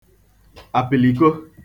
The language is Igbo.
àpịlìko